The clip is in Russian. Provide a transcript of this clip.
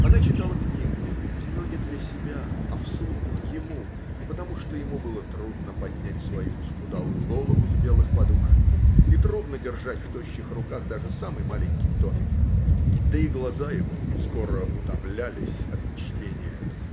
она читала книгу, но не для себя, а вслух ему, потому что ему было трудно поднять свою исхудалую голову с белых подушек и трудно держать в тощих руках даже самый маленький томик, да и глаза его скоро утомлялись от чтения.